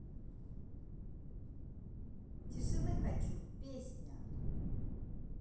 тишины хочу песня